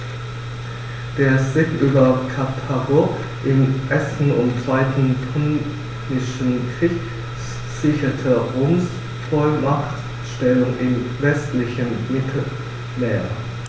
Der Sieg über Karthago im 1. und 2. Punischen Krieg sicherte Roms Vormachtstellung im westlichen Mittelmeer.